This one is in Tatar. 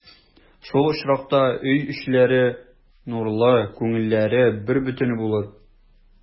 Шул очракта өй эчләре нурлы, күңелләре бербөтен булыр.